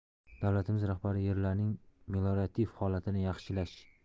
davlatimiz rahbari yerlarning meliorativ holatini yaxshilash